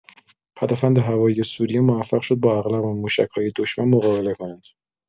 پدافند هوایی سوریه موفق شد با اغلب موشک‌های دشمن مقابله کند.